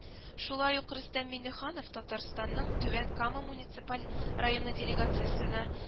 Шулай ук Рөстәм Миңнеханов Татарстанның Түбән Кама муниципаль районы делегациясенә